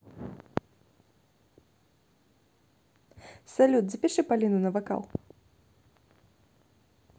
салют запиши полину на вокал